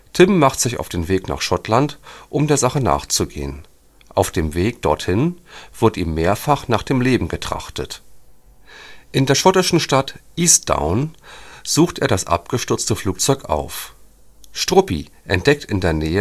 Tim macht sich auf den Weg nach Schottland, um der Sache nachzugehen. Auf dem Weg dorthin wird ihm mehrfach nach dem Leben getrachtet. In der schottischen Stadt Eastdown sucht er das abgestürzte Flugzeug auf. Struppi entdeckt in der Nähe